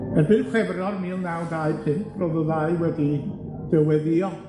Erbyn Chwefror mil naw dau pump ro'dd y ddau wedi dyweddïo